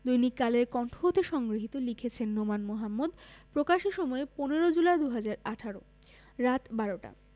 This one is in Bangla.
দৈনিক কালের কন্ঠ হতে সংগৃহীত লিখেছেন নোমান মোহাম্মদ প্রকাশের সময় ১৫ জুলাই ২০১৮ রাত ১২ টা